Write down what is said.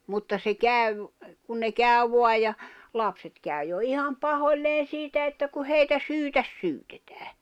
mutta se kävi kun ne kävi vain ja lapset kävi jo ihan pahoilleen siitä että kun heitä syyttä syytetään